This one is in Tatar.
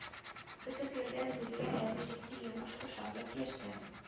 Көтеп йөргән лилия әле җитди йомыш кушарлык яшьтә